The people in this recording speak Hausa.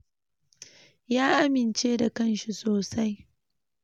"Ya amince da kanshi sosai.